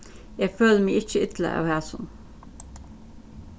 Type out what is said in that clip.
eg føli meg ikki illa av hasum